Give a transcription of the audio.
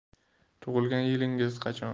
tug'ilgan yilingiz qachon